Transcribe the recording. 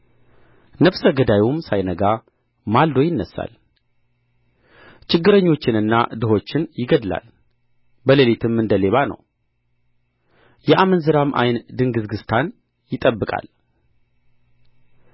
ነፍሰ ገዳዩም ሳይነጋ ማልዶ ይነሣል ችግረኞችንና ድሆችን ይገድላል በሌሊትም እንደ ሌባ ነው የአመንዝራም ዓይን ድግዝግዝታን ይጠብቃል